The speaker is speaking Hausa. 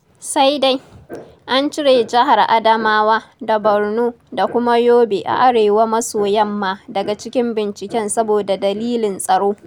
Sai dai , an cire Jihar Adamawa da Borno da kuma Yobe a Arewa-maso Yamma daga cikin binciken saboda dalilin tsaro